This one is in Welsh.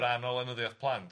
rhan o lenyddiath plant.